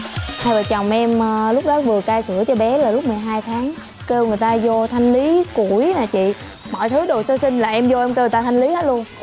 hai vợ chồng em lúc đó vừa cai sữa cho bé là lúc mười hai tháng kêu người ta vô thanh lý củi này chị mọi thứ đồ sơ sinh là em vô em kêu người ta thanh lý luôn